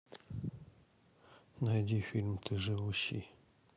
найди фильм ты живущий